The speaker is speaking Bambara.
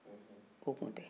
i be wili n bɛ taa b'a ye